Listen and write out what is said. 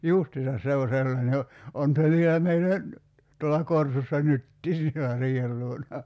justiinsa se on sellainen on on se vielä meillä - tuolla korsussa nytkin siellä riihen luona